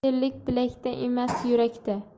erlik bilakda emas yurakda